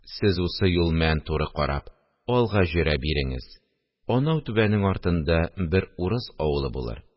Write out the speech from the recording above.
– сез усы юл мән туры карап, алга җөрә биреңез, анау түбәнең артында бер урыс авылы булыр